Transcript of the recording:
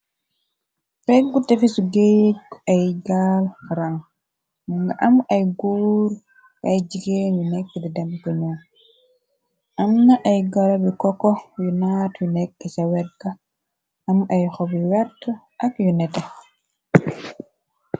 peggu tafésu gagie gu ay gaal rang munga am ay goor ay jigéen yu neke di dem ci njom amna ay garab bi koko yu naat yu neke cah wetga am ay xob yi wert ak yu nete